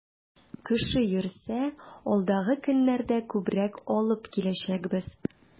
Кеше йөрсә, алдагы көннәрдә күбрәк алып киләчәкбез.